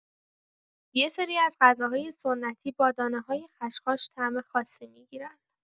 یه سری از غذاهای سنتی با دانه‌های خشخاش طعم خاصی می‌گیرن.